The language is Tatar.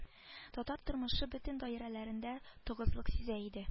Татар тормышы бөтен даирәләрендә тыгызлык сизә иде